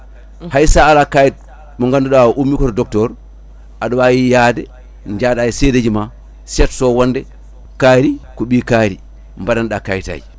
hay sa ala kayit mo ganduɗa o ummi koto docteur aɗa wawi yaade jaada e seedeji ma setto wonde kaari ko ɓii kaari mbaɗaneɗa kayitaji